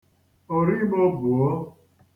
orimobuo